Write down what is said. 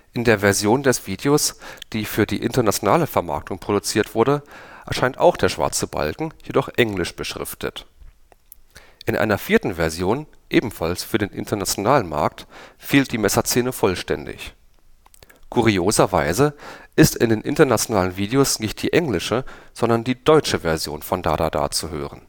In der Version des Videos, die für die internationale Vermarktung produziert wurde, erscheint auch der schwarze Balken, jedoch englisch beschriftet. In einer vierten Version (ebenfalls für den internationalen Markt) fehlt die Messerszene vollständig. Kurioserweise ist in den internationalen Videos nicht die englische, sondern die deutsche Version von „ Da da da “zu hören